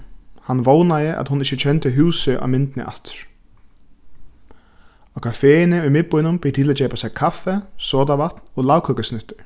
hann vónaði at hon ikki kendi húsið á myndini aftur á kafeini í miðbýnum ber til at keypa sær kaffi sodavatn og lagkøkusnittur